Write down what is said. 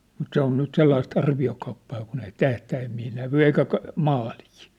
mutta se on nyt sellaista arviokauppaa kun ei tähtäimiä näy eikä - maalia